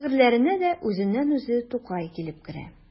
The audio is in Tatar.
Шигырьләренә дә үзеннән-үзе Тукай килеп керә.